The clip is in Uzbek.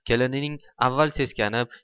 kelinining avval seskanib